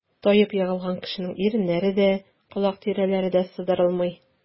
Таеп егылган кешенең иреннәре дә, колак тирәләре дә сыдырылмый.